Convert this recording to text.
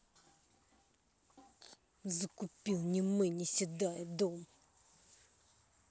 закупил не мы не седая дом